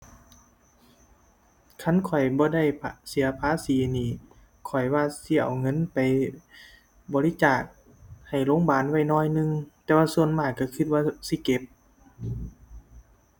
คันข้อยบ่ได้ เสียภาษีนี่ ข้อยว่าสิเอาเงินไปบริจาคให้โรงบาลด้วยหน่อยหนึ่ง แต่ว่าส่วนมากก็คิดว่าสิเก็บ